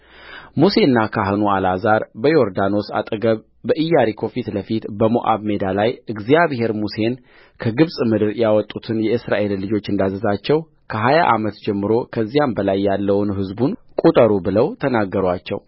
ሙሴና ካህኑ አልዓዛር በዮርዳኖስ አጠገብ በኢያሪኮ ፊት ለፊት በሞዓብ ሜዳ ላይእግዚአብሔር ሙሴን ከግብፅም ምድር የወጡትን የእስራኤልን ልጆች እንዳዘዛቸው ከሀያ ዓመት ጀምሮ ከዚያም በላይ ያለውን ሕዝቡን ቍጠሩ ብለው ተናገሩአቸው